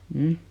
mm